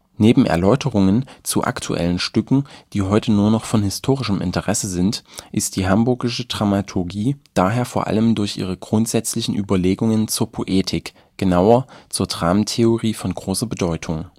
Neben Erläuterungen zu aktuellen Stücken, die heute eher nur noch von historischem Interesse sind, ist die Hamburgische Dramaturgie daher vor allem durch ihre grundsätzlichen Überlegungen zur Poetik, genauer: zur Dramentheorie von großer Bedeutung